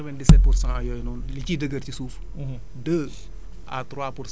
voilç bu ñu jëlee ni quatre vingt dix sept pour cent yooyu noonu li ciy dëgër ci suuf